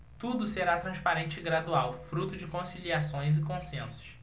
tudo será transparente e gradual fruto de conciliações e consensos